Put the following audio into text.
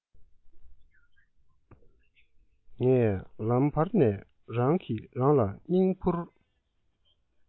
ངས ལམ བར ནས རང གིས རང ལ སྙིང ཕུར